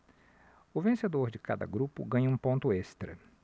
o vencedor de cada grupo ganha um ponto extra